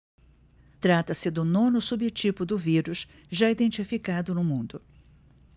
trata-se do nono subtipo do vírus já identificado no mundo